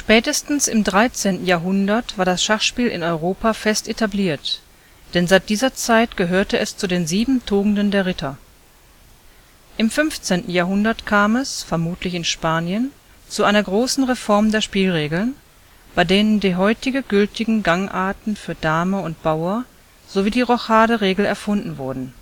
Spätestens im 13. Jahrhundert war das Schachspiel in Europa fest etabliert, denn seit dieser Zeit gehörte es zu den sieben Tugenden der Ritter. Im 15. Jahrhundert kam es, vermutlich in Spanien, zu einer großen Reform der Spielregeln, bei denen die heute gültigen Gangarten für Dame und Bauer sowie die Rochaderegel erfunden wurden